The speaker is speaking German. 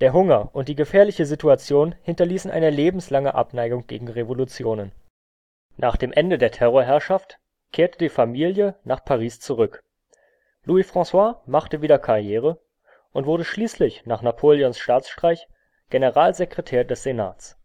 Hunger und die gefährliche Situation hinterließen eine lebenslange Abneigung gegen Revolutionen. Nach dem Ende der Terrorherrschaft kehrte die Familie nach Paris zurück, Louis-François machte wieder Karriere und wurde schließlich nach Napoleons Staatsstreich Generalsekretär des Senats